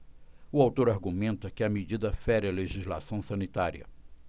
o autor argumenta que a medida fere a legislação sanitária